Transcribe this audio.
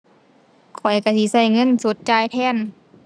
ข้อยก็สิก็เงินสดจ่ายแทน